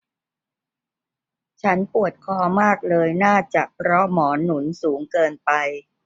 ฉันปวดคอมากเลยน่าจะเพราะหมอนหนุนสูงเกินไป